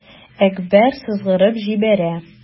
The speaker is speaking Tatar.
Әкбәр сызгырып җибәрә.